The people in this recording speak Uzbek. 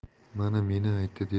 mana meni aytdi